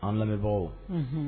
An lamɛnbagaw